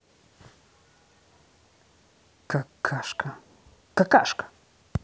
какашка какашка